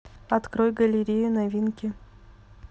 открой галерею новинки